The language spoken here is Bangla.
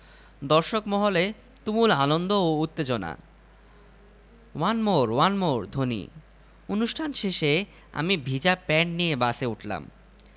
দর্শক মহলে তুমুল আনন্দ ও উত্তেজনা ওয়ান মুর ওয়ান মোর ধ্বনি অনুষ্ঠান শেষে আমি ভিজা প্যান্ট নিয়ে বাসে উঠলাম